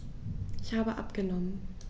Ich habe abgenommen.